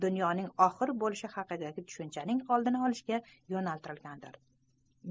dunyoning oxir bo'lishi haqidagi tushunchaning oldini olishga yo'naltirilgandir